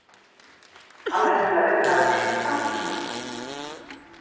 hann er hennara vinmaður sum er samkyndur